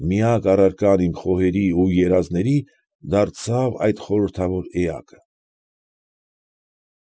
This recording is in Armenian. Միակ առարկան իմ խոհերի ու երազների դարձավ այդ խորհրդավոր էակը։